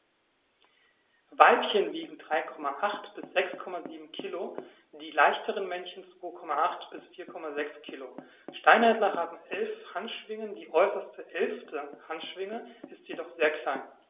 Weibchen wiegen 3,8 bis 6,7 kg, die leichteren Männchen 2,8 bis 4,6 kg. Steinadler haben 11 Handschwingen, die äußerste (11.) Handschwinge ist jedoch sehr klein.